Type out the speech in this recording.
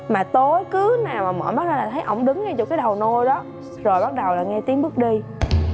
mà tối cứ nào mở mắt ra thấy ổng đứng ngay chỗ cái đầu nôi đó rồi bắt đầu nghe tiếng bước đi